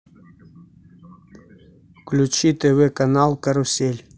включи тв канал карусель